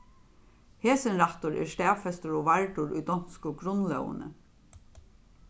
hesin rættur er staðfestur og vardur í donsku grundlógini